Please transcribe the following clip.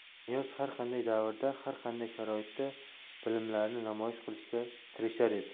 niyoz har qanday davrada har qanday sharoitda bilimlarini namoyish qilishga tirishar edi